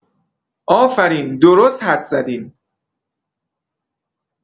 آفرین درست حدس زدین